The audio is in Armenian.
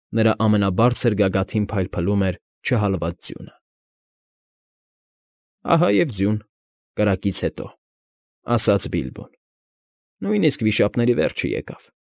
Նրա ամենաբարձր գագաթին փայլփլում էր չհալված ձյունը։ ֊ Ահա և ձյուն՝ կրակից հետո,֊ ասաց Բիլբոն։֊ Նույնիսկ վիշապների վերջը եկավ։֊